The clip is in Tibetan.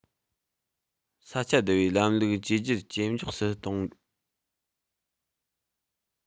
ས ཆ བསྡུ བའི ལམ ལུགས བསྒྱུར བཅོས ཇེ མགྱོགས སུ གཏོང བ